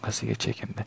orqasiga chekindi